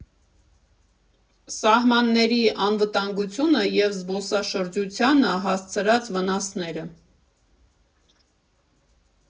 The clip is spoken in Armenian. Սահմանների անվտանգությունը և զբոսաշրջությանը հասցրած վնասները։